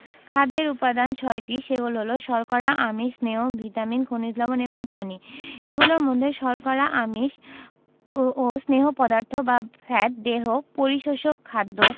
খাদ্যের উপাদান ছয়টি সেগুলো হলো শর্করা আমিষ স্নেহ ভিটামিন খনিজ লবন এবং পানি এগুলোর মধ্যে শর্করা আমিষ ও স্নেহ পদার্থ বা ফ্যাট দেহ পরিপোষক খাদ্য